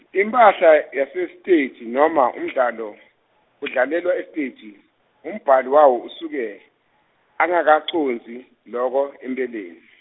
imphahla yasesiteji noma umdlalo, udlalelwa esiteji, umbhali wawo usuke, angakacondzi, loko empeleni.